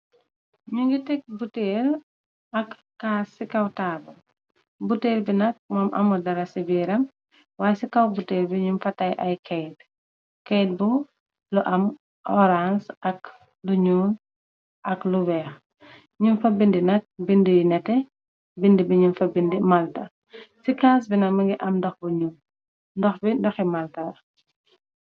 Nyu ngi tek buteel ak caas ci kaw taabal. Buteel binak moom amul dara ci biiram, waaye ci kaw buteel bi nyumg fa tekk ay kayet ,kayet bu lu am orange, ak lu ñuul, ak lu weex. Nyuñ fa bindi nak bind yu neteh, bind bi ñyug fa bindi malta. Ci caas bi mungi am ndox bu ñuul, ndox bi ndoxi malta la.